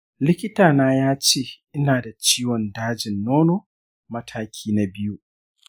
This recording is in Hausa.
likitana ya ce ina da ciwon dajin nono mataki na biyu.